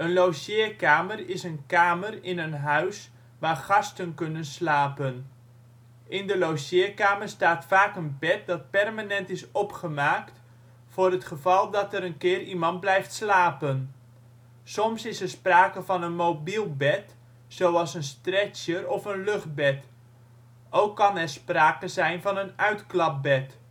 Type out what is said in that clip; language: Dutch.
logeerkamer is een kamer in een huis waar gasten kunnen slapen. In de logeerkamer staat vaak een bed dat permanent is opgemaakt, voor het geval dat er een keer iemand blijft slapen. Soms is er sprake van een mobiel bed zoals een stretcher of een luchtbed. Ook kan er sprake zijn van een uitklapbed